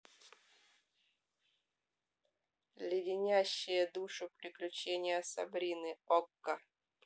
леденящие душу приключения сабрины окко